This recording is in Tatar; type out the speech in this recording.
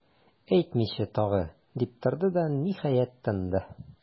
Әйтмичә тагы,- дип торды да, ниһаять, тынды.